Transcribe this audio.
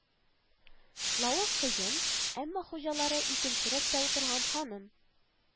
Лавы кыен, әмма хуҗалары икенче рәттә утырган ханым